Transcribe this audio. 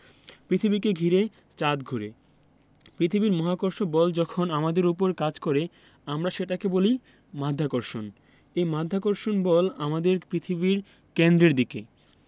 পৃথিবীকে ঘিরে চাঁদ ঘোরে পৃথিবীর মহাকর্ষ বল যখন আমাদের ওপর কাজ করে আমরা সেটাকে বলি মাধ্যাকর্ষণ এই মাধ্যাকর্ষণ বল আমাদের পৃথিবীর কেন্দ্রের দিকে